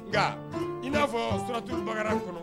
Nka i n'a fɔ sut bakarijanraw kɔnɔ